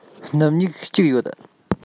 སྣུམ སྨྱུག གཅིག ཡོད